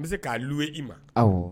N bɛ se k'a lu i ma